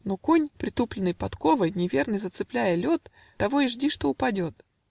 Но конь, притупленной подковой Неверный зацепляя лед, Того и жди, что упадет.